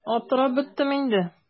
Аптырап беттем инде.